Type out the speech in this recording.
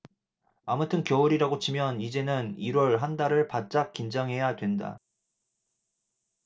아무튼 겨울이라고 치면 이제는 일 월 한 달을 바짝 긴장해야 된다